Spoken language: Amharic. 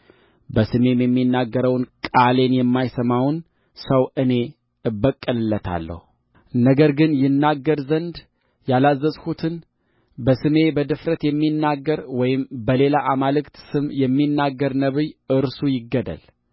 በስሜም የሚናገረውን ቃሌን የማይሰማውን ሰው እኔ እበቀልለታለሁ ነገር ግን ይናገር ዘንድ ያላዘዝሁትን በስሜ በድፍረት የሚናገር ወይም በሌላ አማልክት ስም የሚናገር ነቢይ እርሱ ይገደል